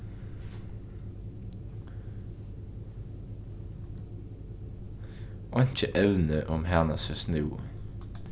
einki evni um hana seg snúði